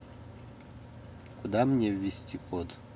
куда мне ввести код